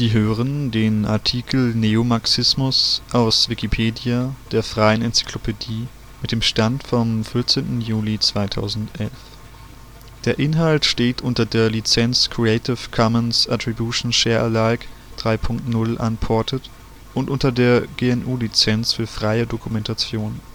hören den Artikel Neomarxismus, aus Wikipedia, der freien Enzyklopädie. Mit dem Stand vom Der Inhalt steht unter der Lizenz Creative Commons Attribution Share Alike 3 Punkt 0 Unported und unter der GNU Lizenz für freie Dokumentation